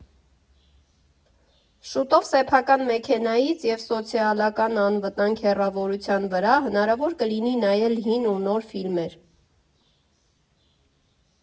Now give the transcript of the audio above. Շուտով սեփական մեքենայից և սոցիալական անվտանգ հեռավորության վրա հնարավոր կլինի նայել հին ու նոր ֆիլմեր։